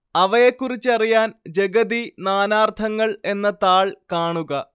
അവയെക്കുറിച്ചറിയാന്‍ ജഗതി നാനാര്‍ത്ഥങ്ങള്‍ എന്ന താൾ കാണുക